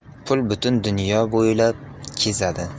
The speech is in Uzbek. pul butun dunyo bo'ylab kezadi